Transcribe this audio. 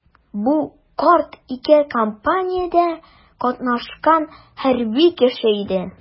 Бу карт ике кампаниядә катнашкан хәрби кеше иде.